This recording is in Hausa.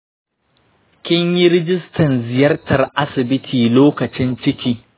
kin yi rijistan ziyartar asibiti lokacin ciki?